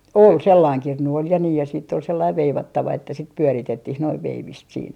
oli sellainen kirnu oli ja niin ja sitten oli sellainen veivattava että sitten pyöritettiin noin veivistä siinä